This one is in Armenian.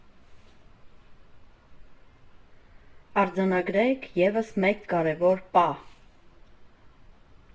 Արձանագրենք ևս մեկ կարևոր պահ.